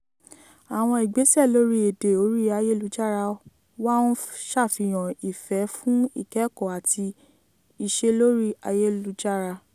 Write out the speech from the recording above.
Àwọn ìgbésẹ̀ lórí èdè orí ayélujára wá ń ṣàfihàn ìfẹ́ fún ìkẹ́kọ̀ọ́ àti ìṣe lórí ayélujára.